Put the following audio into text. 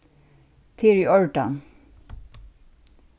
tað er í ordan